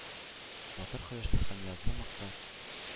Батыр кояшны һәм язны мактап,